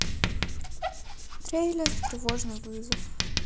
трейлер тревожный вызов